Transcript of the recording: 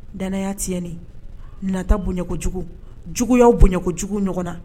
Dananaya tii nata bon jugu juguya bonɲɛko jugu ɲɔgɔn na